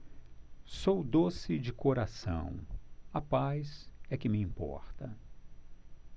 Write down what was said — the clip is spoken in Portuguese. sou doce de coração a paz é que me importa